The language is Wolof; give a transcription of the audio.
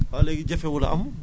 jafe jafewul a am